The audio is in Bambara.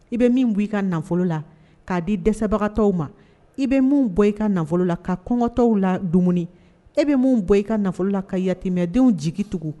I bɛ mun bɔ i ka nafolo la , ka di dɛsɛbagatɔw ma i bɛ mun bɔ i ka nafolo la ka kɔngɔtɔw la dumuni i bɛ mun bɔ i ka nafolo la ka yatimɛdenw jigi tugun